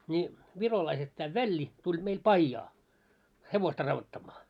niin virolaiset tämä Välli tuli meillä pajaa hevosta raudoittamaan